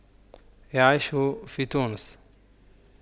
يعيش في تونس